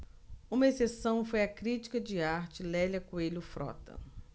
uma exceção foi a crítica de arte lélia coelho frota